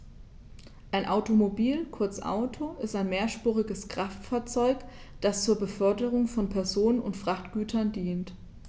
Ein Automobil, kurz Auto, ist ein mehrspuriges Kraftfahrzeug, das zur Beförderung von Personen und Frachtgütern dient.